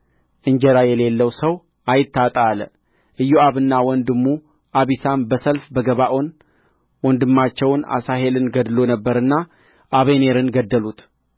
እንጀራ የሌለው ሰው አይታጣ አለ ኢዮአብና ወንድሙ አቢሳም በሰልፍ በገባዖን ወንድማቸው አሣሄልን ገድሎ ነበርና አበኔርን ገደሉት